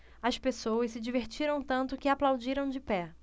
as pessoas se divertiram tanto que aplaudiram de pé